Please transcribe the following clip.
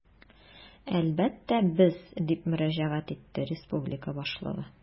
Әлбәттә, без, - дип мөрәҗәгать итте республика башлыгы.